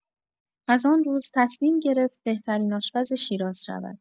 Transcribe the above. از آن روز، تصمیم گرفت بهترین آشپز شیراز شود.